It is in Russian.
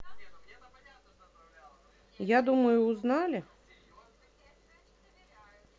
я думаю узнали